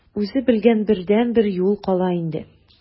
Үзе белгән бердәнбер юл кала инде.